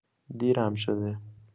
دیرم شده.